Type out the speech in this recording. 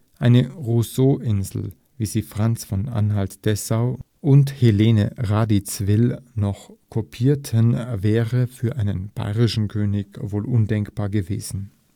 Eine Rousseau-Insel, wie sie Franz von Anhalt-Dessau und Helene Radziwiłł noch kopierten, wäre für einen bayerischen König wohl undenkbar gewesen